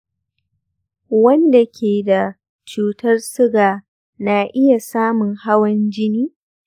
wanda ke da cutar suga na iya samun hawan jini?